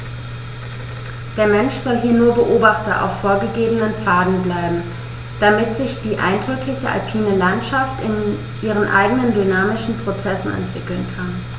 Der Mensch soll hier nur Beobachter auf vorgegebenen Pfaden bleiben, damit sich die eindrückliche alpine Landschaft in ihren eigenen dynamischen Prozessen entwickeln kann.